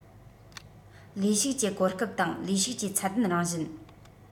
ལས ཞུགས ཀྱི གོ སྐབས དང ལས ཞུགས ཀྱི ཚད ལྡན རང བཞིན